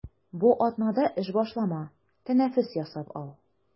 Бу атнада эш башлама, тәнәфес ясап ал.